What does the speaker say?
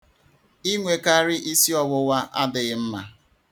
Inwekarị isiọwụwa adịghị mma.